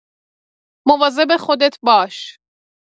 مواظب خودت باش.